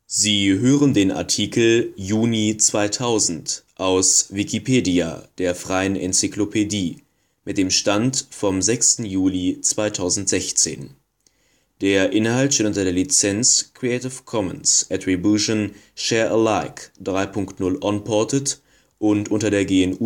Sie hören den Artikel Juni 2000, aus Wikipedia, der freien Enzyklopädie. Mit dem Stand vom Der Inhalt steht unter der Lizenz Creative Commons Attribution Share Alike 3 Punkt 0 Unported und unter der GNU